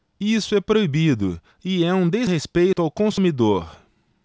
isso é proibido e é um desrespeito ao consumidor